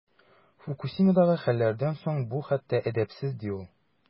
Фукусимадагы хәлләрдән соң бу хәтта әдәпсез, ди ул.